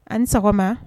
An ni sɔgɔma